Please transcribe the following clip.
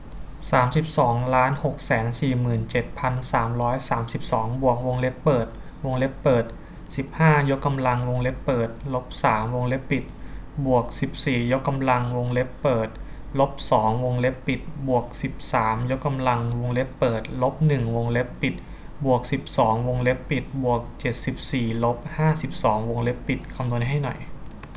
สามสิบสองล้านหกแสนสี่หมื่นเจ็ดพันสามร้อยสามสิบสองบวกวงเล็บเปิดวงเล็บเปิดสิบห้ายกกำลังวงเล็บเปิดลบสามวงเล็บปิดบวกสิบสี่ยกกำลังวงเล็บเปิดลบสองวงเล็บปิดบวกสิบสามยกกำลังวงเล็บเปิดลบหนึ่งวงเล็บปิดบวกสิบสองวงเล็บปิดบวกเจ็ดสิบสี่ลบห้าสิบสองวงเล็บปิดคำนวณให้หน่อย